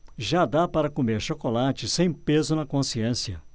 já dá para comer chocolate sem peso na consciência